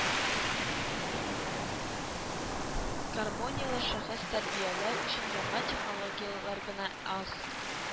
Гармонияле шәхес тәрбияләү өчен яңа технологияләр генә аз